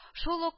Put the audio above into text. Шул ук